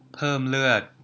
เพิ่มเลือด